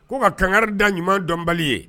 Ko ka kangari da ɲuman dɔnbali ye